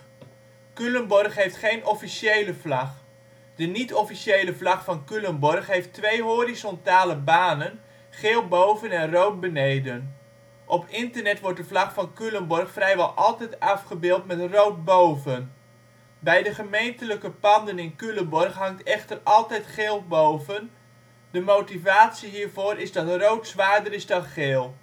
Culemborg heeft geen officiële vlag. De niet-officiële vlag van Culemborg heeft twee horizontale banen, geel boven en rood beneden. Op internet wordt de vlag van Culemborg vrijwel altijd afgebeeld met rood boven. Bij de gemeentelijke panden in Culemborg hangt echter altijd geel boven. De motivatie hiervoor is dat rood zwaarder is dan geel